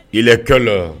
Yɛlɛkɛla la